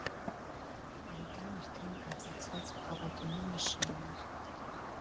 Այ դա արդեն կայացած փառատոնի նշան էր։